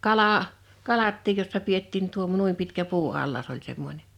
kala kalatkin jossa pidettiin - noin pitkä puuallas oli semmoinen